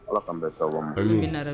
Ala ka bɛn sababa ma, Amina yarabi.